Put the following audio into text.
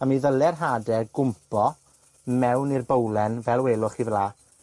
a mi ddyle'r hade gwmpo mewn i'r bowlen, fel welwch chi fela,